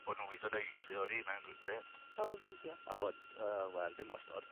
bod nw'n gwitho 'da 'i gilydd odi, mae'n gr- grêt. Pawb yn ffrindia? A bod... Yy wel, dim wastod.